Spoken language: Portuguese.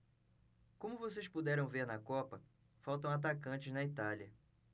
como vocês puderam ver na copa faltam atacantes na itália